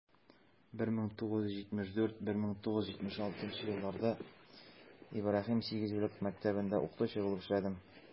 1974 - 1976 елларда ибраһим сигезьеллык мәктәбендә укытучы булып эшләдем.